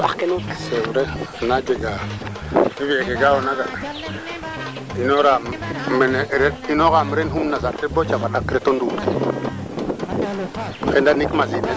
kam binwana xoxes rek xumna sartale ret too fo o goorole mi i ndet maan paaloxa machine na xenanin bata xen im mbisiid